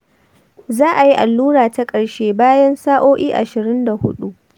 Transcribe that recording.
za a yi allura ta ƙarshe bayan sa'o'i ashirin da huɗu.